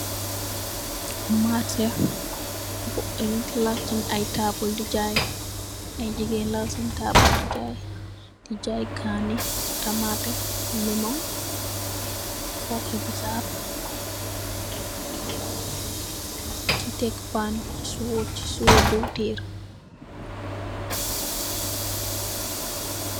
Marceh bu am lal sehn aiiy taabul dii jaii, aiiy gigain lal sehn taabul dii jaii, dii jaii kaani, tamateh, lemon, horhii bisap, dii tek paan chi siwoh, chi siwoh diwtirr.